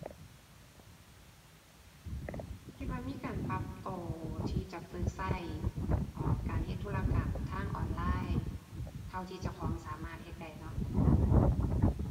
คิดว่ามีการปรับตัวที่จะฝึกตัว อ่า การเฮ็ดธุรกรรมทางออนไลน์เท่าที่เจ้าของสามารถเฮ็ดได้เนาะ